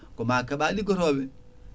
ko ma keeɓa liggotoɓe